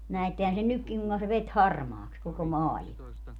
näettehän sen nytkin kuinka se veti harmaaksi koko maailman